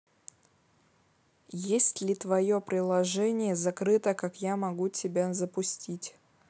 есть ли твое приложение закрыто как я могу тебя запустить